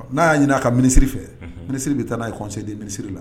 N'a y'a ɲini a ka ministre fɛ,. Unhun! Ministre bɛ taa n'a ye conseil de ministre la